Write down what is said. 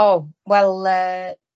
O, wel yy